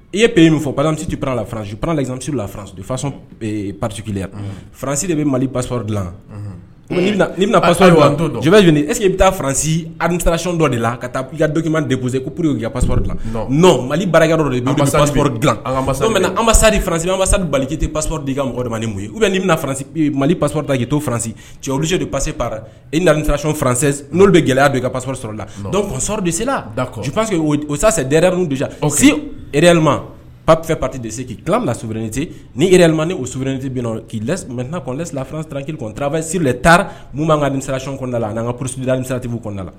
I pe yen min fɔlasitiplalasi laranz fa pasiransi de bɛ mali pas dila bɛnasa cɛ ese i bɛ taa faransi alirac dɔ de la ka taa i ka dɔkiman de gosisee ko pur ka passɔrɔri dila mali bara i dilasaransa baliki te passɔrɔ di i ka mɔgɔ koyi i mali pas da'i to faransi cɛsi de pase para i nac faranse n'o de bɛ gɛlɛya don i ka passɔrɔ sɔrɔ lasɔrɔ de se pa que osasɛɛrɛcsi pap pati de se k'i tila la syineti nililima ni o syinti bin k'ilafana siraki turasiri taara nu b'an ka sirantiɔnda la n ka psida ni saratiɔnda la